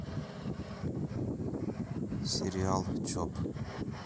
сериал чоп